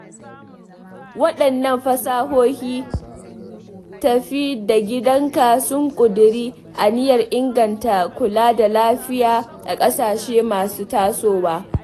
Waɗannan fasahohin tafi da gidanka sun ƙudiri aniyar inganta kula da lafiya a ƙasashe masu tasowa.